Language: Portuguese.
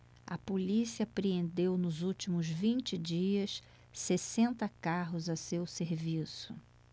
a polícia apreendeu nos últimos vinte dias sessenta carros a seu serviço